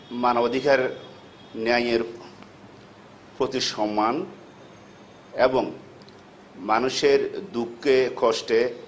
মানবাধিকার ন্যায় এর প্রতি সম্মান এবং মানুষের দুঃখে কষ্টে